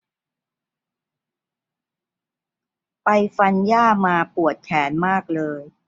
ไปฟันหญ้ามาปวดแขนมากเลย